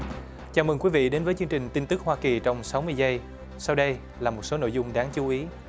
chào mừng quý vị đến với chương trình tin tức hoa kỳ trong sáu mươi giây sau đây là một số nội dung đáng chú ý